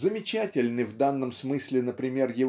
Замечательны в данном смысле например